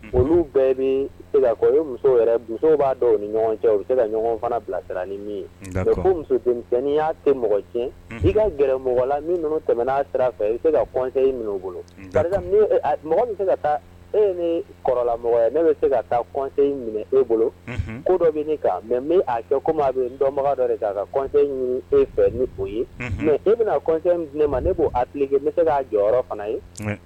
Olu bɛɛ b'a ni cɛ bɛ se ɲɔgɔn bilasira ni muso'a tɛ mɔgɔ ka g mɔgɔ la tɛm n'a sira fɛ i se ka in bolo mɔgɔ min se ka taa e ni kɔrɔlamɔgɔya ne bɛ se ka taa in minɛ e bolo ko dɔ bɛ mɛ n a dɔnbaga dɔ' ka e fɛ ni ye mɛ e bɛna ne ma ne b' ne se k' jɔ fana ye